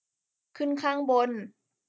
ขึ้นข้างบน